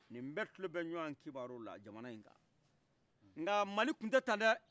ni bɛ kulobɛ ɲɔgɔn kibarula jamana ika nga mali tun tɛ tan dai